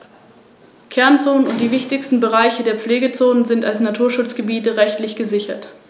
So erging es auch Griechenland und der neuen römischen Provinz Africa nach der Zerstörung Karthagos, welches vor dem Dritten Punischen Krieg wieder an Macht gewonnen hatte.